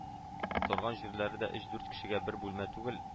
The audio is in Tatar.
Торган җирләре дә өч-дүрт кешегә бер бүлмә түгел